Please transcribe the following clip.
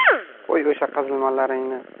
qo'y o'sha qazilmalaringni